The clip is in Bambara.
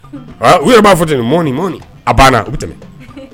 U yɛrɛ b'a fɔ ten mɔnɔni mɔnɔni a banna u bɛ tɛmɛ